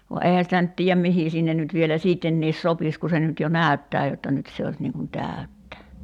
vaan eihän sitä nyt tiedä mihin sinne nyt vielä sittenkin sopisi kun se nyt jo näyttää jotta nyt se olisi niin kuin täyttä